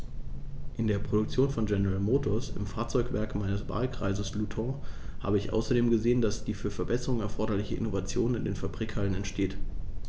In der Produktion von General Motors, im Fahrzeugwerk meines Wahlkreises Luton, habe ich außerdem gesehen, dass die für Verbesserungen erforderliche Innovation in den Fabrikhallen entsteht.